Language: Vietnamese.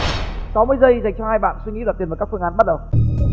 sáu mươi giây dành cho hai bạn suy nghĩ đặt tiền vào các phương án bắt đầu